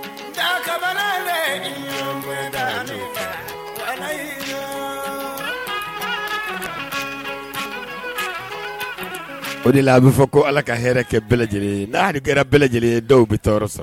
O de a bɛ fɔ ko ala ka hɛrɛɛ kɛ bɛɛ lajɛlen n' kɛra bɛɛ lajɛlen ye dɔw bɛ ta sa